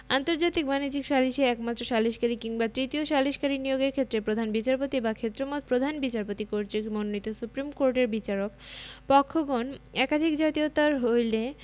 আন্তর্জাতিক বাণিজ্যিক সালিসে একমাত্র সালিসকারী কিংবা তৃতীয় সালিসকারী নিয়োগের ক্ষেত্রে প্রধান বিচারপতি বা ক্ষেত্রমত প্রধান বিচারপতি কর্তৃক মনোনীত সুপ্রীম কোর্টের বিচারক পক্ষঘণ একাধিক জাতীয়তার হইলে